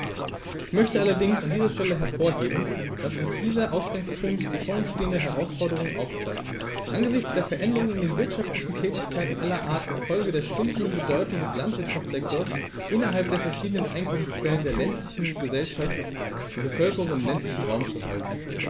Ich möchte allerdings an dieser Stelle hervorheben, dass uns dieser Ausgangspunkt die vor uns stehenden Herausforderungen aufzeigt: angesichts der Veränderungen in den wirtschaftlichen Tätigkeiten aller Art infolge der schwindenden Bedeutung des Landwirtschaftssektors innerhalb der verschiedenen Einkommensquellen der ländlichen Gesellschaft die Bevölkerung im ländlichen Raum zu halten.